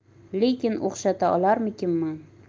lekin o'xshata olarmikinman